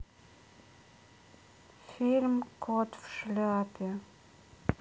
фильм кот в шляпе